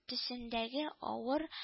Төсендәге авыр